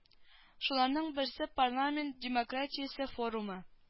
Шуларның берсе парламент демократиясе форумы